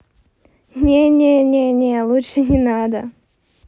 не не не не лучше не надо